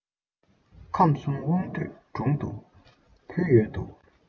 ཁམས གསུམ དབང འདུས དྲུང དུ ཕུལ ཡོད དོ